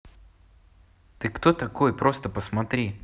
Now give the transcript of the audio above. ты кто такой просто посмотри